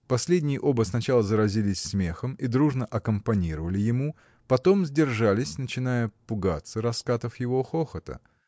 Последние оба сначала заразились смехом и дружно аккомпанировали ему, потом сдержались, начиная пугаться раскатов его хохота.